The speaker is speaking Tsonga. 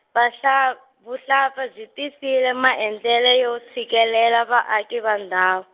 vahla- vuhlampfa byi tisile maendlelo yo tshikelela vaaki va ndhawu.